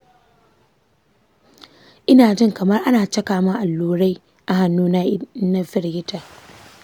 ina jin kamar ana caka min allurai a hannuna in na firgita.